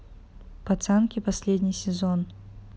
пацанки последний сезон